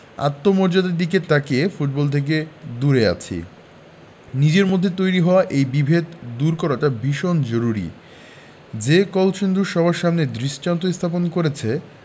আত্মমর্যাদার দিকে তাকিয়ে ফুটবল থেকে দূরে আছি নিজেদের মধ্যে তৈরি হওয়া এই বিভেদ দূর করাটা ভীষণ জরুরি যে কলসিন্দুর সবার সামনে দৃষ্টান্ত স্থাপন করেছে